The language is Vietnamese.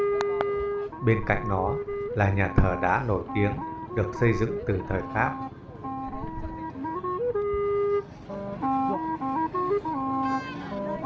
bên cạnh là nhà thờ đá nổi tiếng được xây dựng từ thời pháp